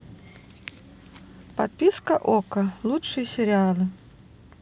подписка окко лучшие сериалы